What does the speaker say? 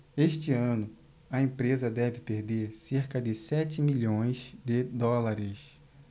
este ano a empresa deve perder cerca de sete milhões de dólares